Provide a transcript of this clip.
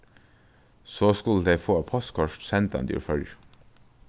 so skulu tey fáa eitt postkort sendandi úr føroyum